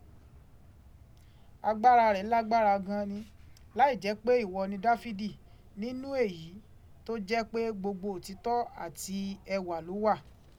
Agbára rẹ̀ lágbára gan an ni, láìjẹ́ pé ìwọ ni Dáfídì, nínú èyí tó jẹ́ pé gbogbo òtítọ́ àti ẹwà ló wà.